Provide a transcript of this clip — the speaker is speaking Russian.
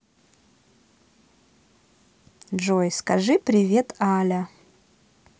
джой скажи привет аля